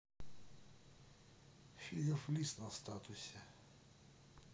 фигов лист на статуе